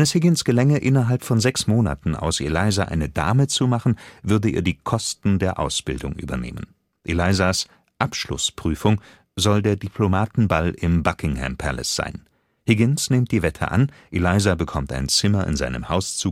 Higgins gelänge, innerhalb von sechs Monaten aus Eliza eine Dame zu machen, würde er die Kosten der Ausbildung übernehmen. Elizas „ Abschlussprüfung “soll der Diplomatenball im Buckingham Palace sein. Higgins nimmt die Wette an, Eliza bekommt ein Zimmer in seinem Haus